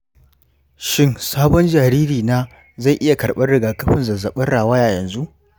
shin sabon jariri na zai iya karban rigakafin zazzabin rawaya yanzu?